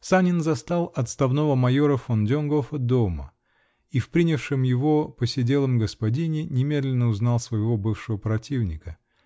Санин застал отставного майора фон Донгофа дома -- и в принявшем его поседелом господине немедленно узнал своего бывшего противника.